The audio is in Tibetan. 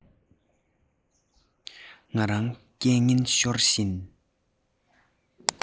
ང རང སྐད ངན ཤོར བཞིན